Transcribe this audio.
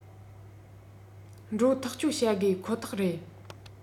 འགྲོ ཐག གཅོད བྱ དགོས ཁོ ཐག རེད